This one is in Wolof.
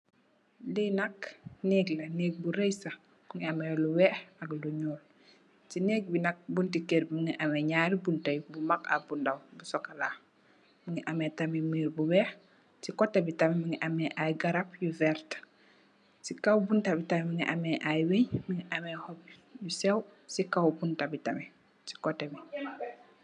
Li nak nèk la, nèk bu ray sah, mugii ameh lu wèèx ak lu ñuul. Si nèk bi nak bunti kèr bi mugii ameh ñaari bunta bu mak ak bu ndaw sokola. Mugii ameh tamid mir bu wèèx, si koteh bi tamid mugii ameh ay garap yu werta. Si kaw bunta bi tamid mugii ameh ay weñ, mugii ameh lu séw si kaw bunta bi tamid.